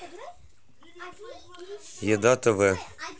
еда тв